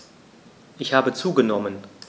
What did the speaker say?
Ich habe zugenommen.